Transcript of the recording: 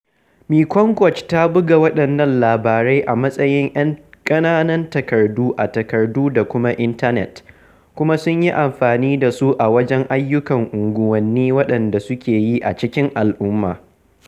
Mekong Watch ta buga waɗannan labarai a matsayin 'yan ƙananan takardu a takardu da kuma intanet, kuma sun yi amfani da su a wajen ayyukan unguwanni waɗanda suke yi a cikin al'umma.